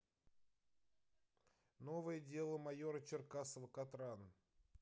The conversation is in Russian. новое дело майора черкасова катран